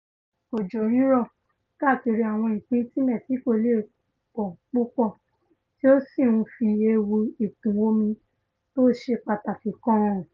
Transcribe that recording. Òjò-rírọ̀ káàkiri àwọn ìpin ti Mẹ́ṣíkò leè pọ púpọ̀, tí ó sì ń fi ewu ìkún-omi tóṣe pàtakì kàn hàn.